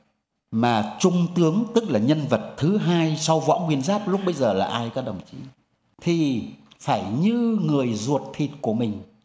mà trung tướng tức là nhân vật thứ hai sau võ nguyên giáp lúc bấy giờ là ai các đồng chí thì phải như người ruột thịt của mình